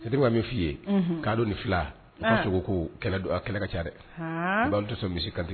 Ne be ka min fi ye Unhun Kadɔ ni fila kasogo ko kɛlɛ don . A kɛlɛ ka ca dɛ .haan bawu u te sɔ misi kantigɛ